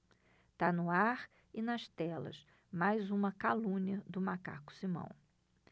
tá no ar e nas telas mais uma calúnia do macaco simão